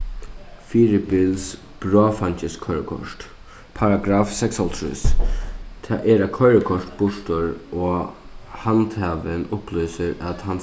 fyribils bráðfeingiskoyrikort paragraff seksoghálvtrýss tað er eitt koyrikort burtur og handhavin upplýsir at hann